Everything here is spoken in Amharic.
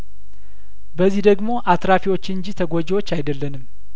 በዚህ ደግሞ አትራፊዎች እንጂ ተጐጂዎች አይደለንም